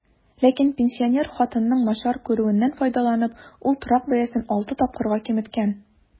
Ләкин, пенсинер хатынның начар күрүеннән файдаланып, ул торак бәясен алты тапкырга киметкән.